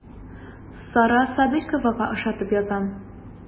Сара Садыйковага ошатып язам.